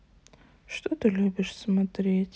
что ты любишь смотреть